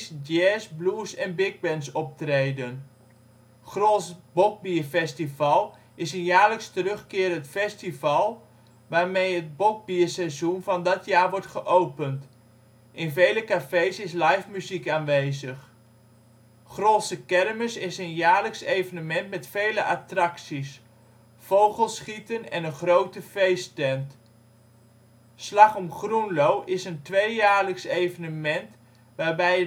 jazz -, blues - en bigbands optreden. Grolsch Bokbierfestival is een jaarlijks terugkerend festival waarmee het bokbierseizoen van dat jaar wordt geopend. In vele café’ s is live muziek aanwezig. Grolse Kermis is een jaarlijks evenement met vele attracties, vogelschieten en een grote feesttent. Slag om Grolle is een tweejaarlijks evenement waarbij